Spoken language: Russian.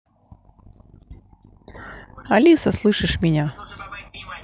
алиса слышишь меня